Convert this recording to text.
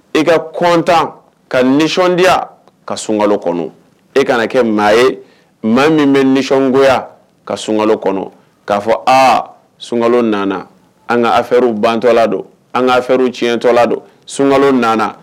I ka kɔntan ka nisɔndiyaya ka sunka kɔnɔ e kana kɛ maa ye maa min bɛ nisɔngoya ka sunka kɔnɔ k'a fɔ aa sunka nana an ka a fɛrw bantɔ la don an ka fɛrw tiɲɛntɔ la don sunka nana